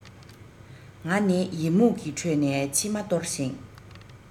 ད ནི ཡི མུག གི ཁྲོད ནས མཆི མ གཏོར ཞིང